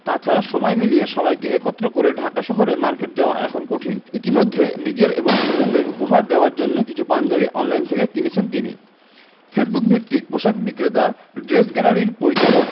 তা ছাড়া সময় মিলিয়ে সবাইকে একত্র করে ঢাকা শহরের মার্কেটে যাওয়া এখন কঠিন ইতিমধ্যে নিজের এবং স্বজনদের উপহার দেওয়ার জন্য কিছু পাঞ্জাবি অনলাইন থেকে কিনেছেন তিনি ফেসবুকভিত্তিক পোশাক বিক্রেতা ড্রেস গ্যালারির পরিচালক